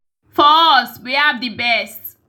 For us, we have the best.